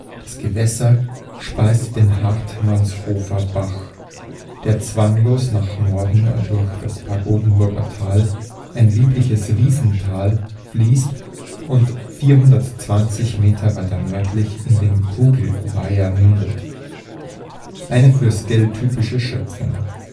Das Gewässer speist den Hartmannshofer Bach, der zwanglos nach Norden durch das Pagodenburger Tal, ein liebliches Wiesental, fließt und 420 Meter weiter nördlich in den Kugelweiher mündet – eine für Sckell typische Schöpfung